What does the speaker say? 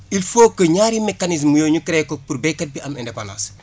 il faut que ñaari mécanisme yooyu énu créé ko pour béykat bi am indépendance